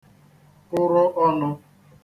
kụrụ ọnụ̄